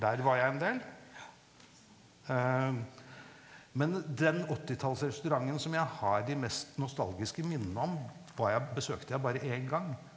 der var jeg en del men den åttitallsrestauranten som jeg har de mest nostalgiske minnene om var jeg besøkte jeg bare én gang.